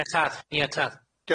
Ie tad, ie tad.